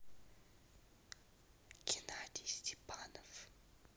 геннадий степанов